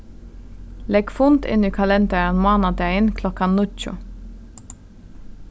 legg fund inn í kalendaran mánadagin klokkan níggju